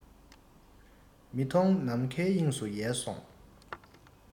མི མཐོང ནམ མཁའི དབྱིངས སུ ཡལ སོང